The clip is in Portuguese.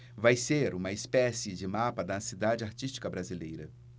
vai ser uma espécie de mapa da cidade artística brasileira